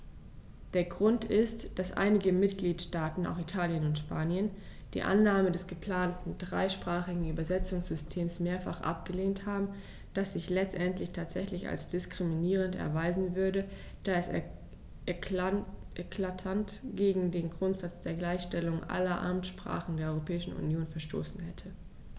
Der Grund ist, dass einige Mitgliedstaaten - auch Italien und Spanien - die Annahme des geplanten dreisprachigen Übersetzungssystems mehrfach abgelehnt haben, das sich letztendlich tatsächlich als diskriminierend erweisen würde, da es eklatant gegen den Grundsatz der Gleichstellung aller Amtssprachen der Europäischen Union verstoßen hätte.